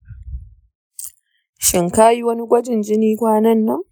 shin ka yi wani gwajin jini kwanan nan?